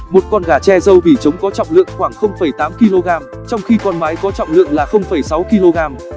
một con gà tre râu bỉ trống có trọng lượng khoảng kg trong khi con mái có trọng lượng là kg